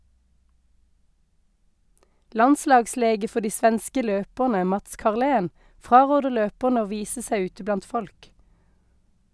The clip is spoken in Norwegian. Landslagslege for de svenske løperne, Mats Carlén, fraråder løperne å vise seg ute blant folk.